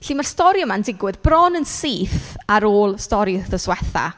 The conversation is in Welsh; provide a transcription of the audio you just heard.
Felly mae'r stori yma'n digwydd bron yn syth ar ôl stori wythnos diwetha.